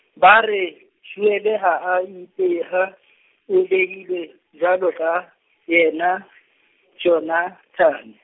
ba re, Joele ha a ipeha, o behilwe, jwalo ka, yena , Jonathane.